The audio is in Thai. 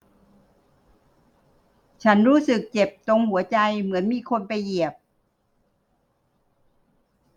ฉันรู้สึกเจ็บตรงหัวใจเหมือนมีคนไปเหยียบ